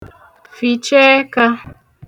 fìche ẹkā